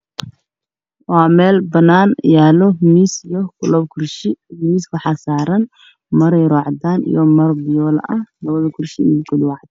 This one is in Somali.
Waa mel banan yalo miis io labo kursi miiska waxa saran maro cadan io fiyol kurasta waa cadan